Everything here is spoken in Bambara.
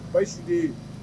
Bayusu den